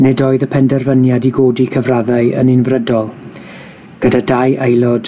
Nid oedd y penderfyniad i godi cyfraddau yn unfrydol, gyda dau aelod